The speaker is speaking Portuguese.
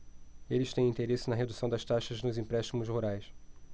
eles têm interesse na redução das taxas nos empréstimos rurais